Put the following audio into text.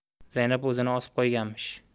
zaynab o'zini osib qo'yganmish